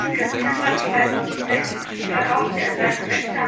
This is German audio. September 2006 verkaufte er seine Rechte